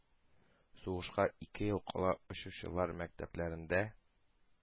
Сугышка ике ел кала очучылар мәктәпләрендә